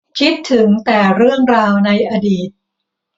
คิดถึงแต่เรื่องราวในอดีต